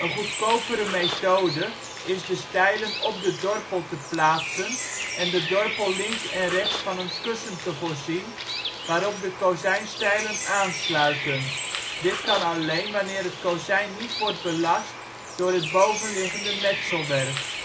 goedkopere methode is de stijlen op de dorpel te plaatsen en de dorpel links en rechts van een kussen te voorzien waarop de kozijnstijlen aansluiten, dit kan alleen wanneer het kozijn niet wordt belast door het bovenliggende metselwerk